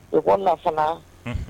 U ko nafa fana